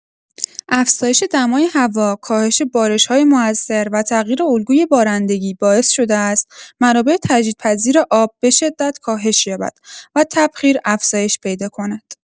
افزایش دمای هوا، کاهش بارش‌های مؤثر و تغییر الگوی بارندگی باعث شده است منابع تجدیدپذیر آب به‌شدت کاهش یابد و تبخیر افزایش پیدا کند.